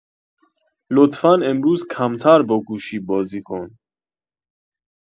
لطفا امروز کمتر با گوشی بازی کن